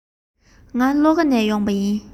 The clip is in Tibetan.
ང ལྷོ ཁ ནས ཡོང པ ཡིན